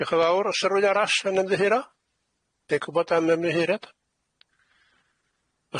Diolch 'n fawr, o's 'na rywun arall 'n ymddiheuro? Neu'n gwbod am ymddiheuriad?